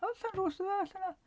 Oedd Llanrwst yn dda llynedd.